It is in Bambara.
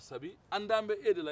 sabu an dalen b'e de la